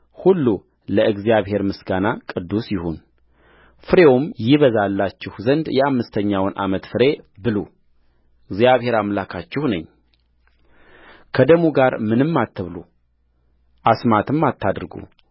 ሁሉ ለእግዚአብሔር ምስጋና ቅዱስ ይሁንፍሬውም ይበዛላችሁ ዘንድ የአምስተኛውን ዓመት ፍሬ ብሉ እግዚአብሔር አምላካችሁ ነኝከደሙ ጋር ምንም አትብሉ አስማትም አታድርጉ